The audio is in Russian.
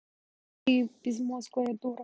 ты безмозговая дура